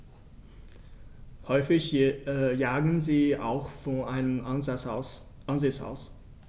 Häufig jagen sie auch von einem Ansitz aus.